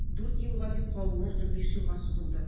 Дүрт елга дип калуым унбиш елга сузылды.